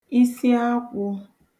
isiakwụ̄